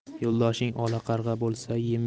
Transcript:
yo'ldoshing olaqarg'a bo'lsa